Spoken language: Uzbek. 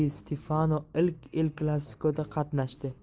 di stefano ilk el klasiko da qatnashdi